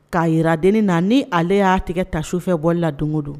K'a jiraden na ni ale y'a tigɛ taa sufɛ bɔ la don don